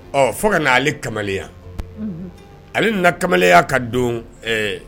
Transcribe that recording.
Ɔ fo ka na aleale kamalenya ale nana kamalenya ka don ɛɛ